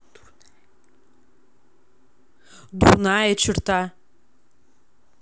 дурная черта